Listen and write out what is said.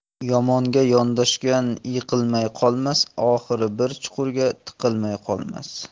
yomonga yondashgan yiqilmay qolmas oxiri bir chuqurga tiqilmay qolmas